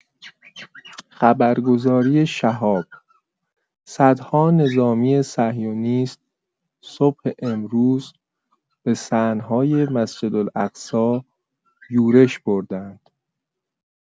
خبرگزاری شهاب: صدها نظامی صهیونیست صبح امروز به صحن‌های مسجدالاقصی یورش بردند.